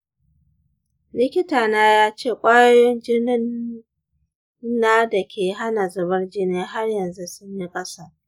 likitana ya ce ƙwayoyin jinin na da ke hana zubar jini har yanzu sun yi ƙasa.